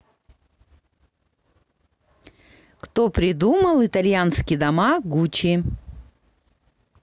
кто придумал итальянский дома gucci